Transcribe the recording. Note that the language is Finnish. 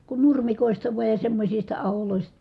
kun nurmikoista vain ja semmoisista -